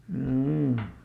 joo